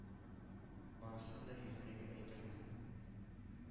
Барысын да иртәгә әйтермен...